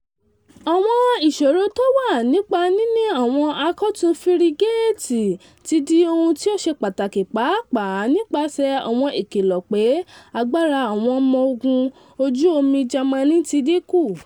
Àwọn ìṣòro tó wà nípa níní àwọn àkọ̀tun fírígèètì ti di ohun tí ó ṣè pàtàkì pàápàá nípaṣẹ̀ àwọn ìkìlọ̀ pé àgbára àwọn ọmọ ogún ojú omi Jámánì tí dín kù.